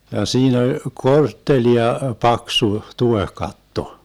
ja siinä oli korttelia paksu tuohikatto